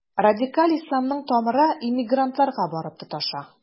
Радикаль исламның тамыры иммигрантларга барып тоташа.